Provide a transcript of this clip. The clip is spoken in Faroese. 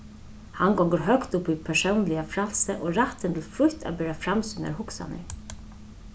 hann gongur høgt upp í persónliga frælsið og rættin til frítt at bera fram sínar hugsanir